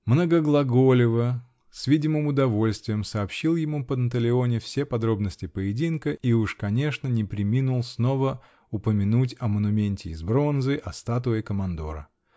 Многоглаголиво, с видимым удовольствием сообщил ему Панталеоне все подробности поединка и уж, конечно, не преминул снова упомянуть о монументе из бронзы, о статуе командора!